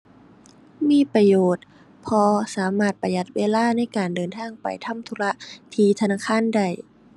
มีประโยชน์ เพราะสามารถประหยัดเวลาในการเดินทางไปทำธุระที่ธนาคารได้